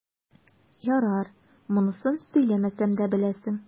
Ярар, монысын сөйләмәсәм дә беләсең.